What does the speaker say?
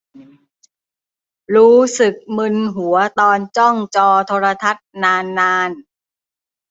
รู้สึกมึนหัวตอนจ้องจอโทรศัพท์นานนาน